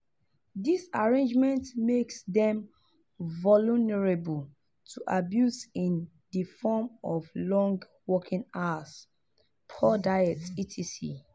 This arrangement makes them vulnerable to abuse in the form of long working hours, poor diet, etc.